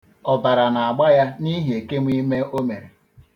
Ọbara na-agba ya n'ihi ekemụime o mere.